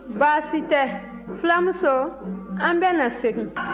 baasi tɛ fulamuso an bɛna segin